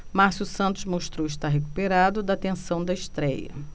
márcio santos mostrou estar recuperado da tensão da estréia